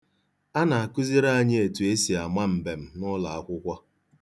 A na-akụziri anyị etu e si ama mbem n'ụlọakwụkwọ.